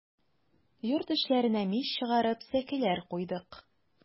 Йорт эчләренә мич чыгарып, сәкеләр куйдык.